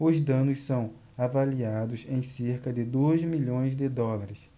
os danos são avaliados em cerca de dois milhões de dólares